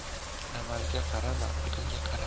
amalga qarama aqlga qara